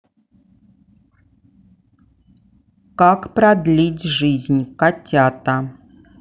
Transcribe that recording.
как продлить жизнь котята